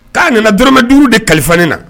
K'a nana durama duuru de kalifain na